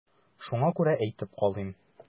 Шуңа күрә әйтеп калыйм.